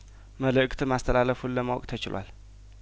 መልእክት ማስተላለፉን ለማወቅ ተችሏል